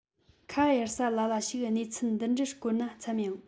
ཁ གཡར ས ལ ལ ཞིག གནས ཚུལ འདི འདྲར བཀོལ ན འཚམ ཡང